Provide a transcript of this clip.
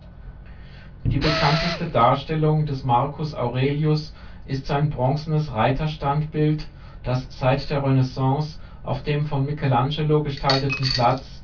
bekannteste Darstellung des Marcus Aurelius ist sein bronzenes Reiterstandbild, das seit der Renaissance auf dem von Michelangelo gestalteten Platz